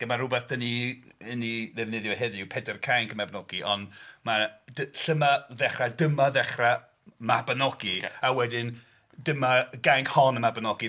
Mae rhywbeth dan ni yn ei ddefnyddio heddiw, Pedair Cainc y Mabinogi ond mae... d- lle mae dechrau... dyma ddechrau Mabinogi a wedyn dyma gainc hon y Mabinogi.